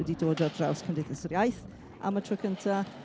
Wedi dod ar draws Cymdeithas yr Iaith am y tro cynta.